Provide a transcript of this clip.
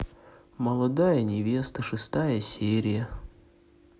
молодая невеста шестая серия